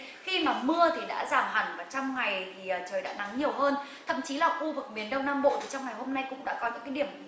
khi mà mưa thì đã giảm hẳn vào trong ngày thì trời đã nắng nhiều hơn thậm chí là khu vực miền đông nam bộ thì trong ngày hôm nay cũng đã có những cái điểm